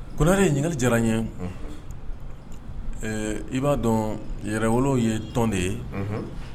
Ko neɛre ye ɲininkali diyara n ye i b'a dɔn yɛrɛw ye tɔn de ye